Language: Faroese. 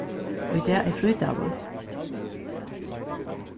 í dag er frídagur